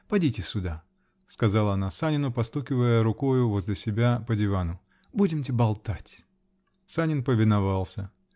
-- Подите сюда, -- сказала она Санину, постукивая рукою возле себя по дивану. -- Будемте болтать. Санин повиновался.